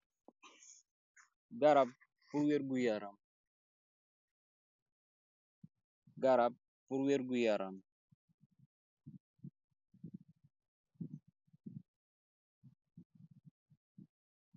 Garap pur wergu yaram